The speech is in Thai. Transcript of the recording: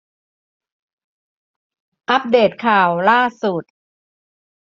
อัพเดตข่าวล่าสุด